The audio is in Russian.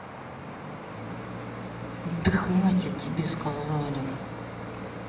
да хватит тебе сказали